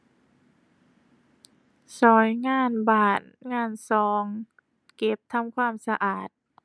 ช่วยงานบ้านงานช่วย เก็บทำความสะอาด